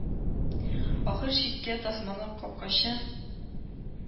Ахыр чиктә тасманы капкачы